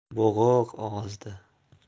bo'g'iq ovozda